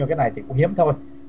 cái này thì cũng hiếm thôi